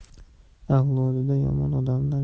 avlodida yomon odamlar